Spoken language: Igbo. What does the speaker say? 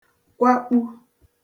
kwakpu